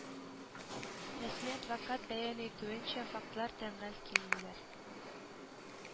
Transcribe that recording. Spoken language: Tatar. Рәсми адвокат бәян итүенчә фактлар тәңгәл килмиләр